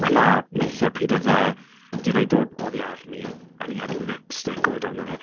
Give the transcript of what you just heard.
A na, neithiwr pryd oedd e 'di dod oddi arni and he had lipstick all down there...